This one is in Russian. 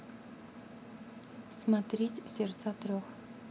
смотреть сердца трех